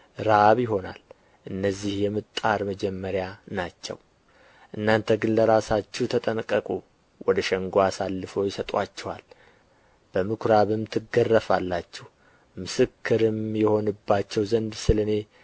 ራብ ይሆናል እነዚህ የምጥ ጣር መጀመሪያ ናቸው እናንተ ግን ለራሳችሁ ተጠንቀቁ ወደ ሸንጎ አሳልፈው ይሰጡአችኋል በምኵራብም ትገረፋላችሁ ምስክርም ይሆንባቸው ዘንድ ስለ እኔ በ